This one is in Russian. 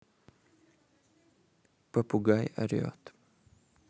попугай орет